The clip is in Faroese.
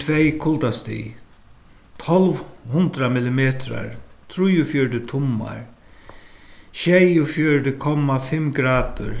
tvey kuldastig tólv hundrað millimetrar trýogfjøruti tummar sjeyogfjøruti komma fimm gradir